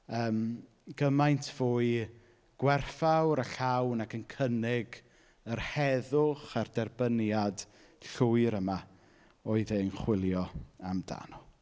Yym gymaint fwy gwerthawr a llawn ac yn cynnig yr yr heddwch a'r derbyniad llwyr yma oedd e'n chwilio amdano.